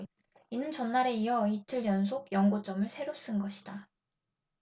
이는 전날에 이어 이틀 연속 연고점을 새로 쓴 것이다